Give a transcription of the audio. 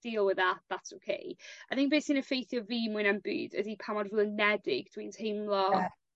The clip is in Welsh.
deal with that that's okay. Yr unig beth sy'n effeithio fi mwy na'm byd ydi pa mor flinedig dwi'n teimlo... Ie...